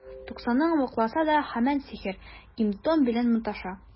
Туксанын вакласа да, һаман сихер, им-том белән маташа.